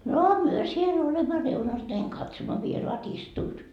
no me siellä olemme reunassa näin katsomme vieraat istuvat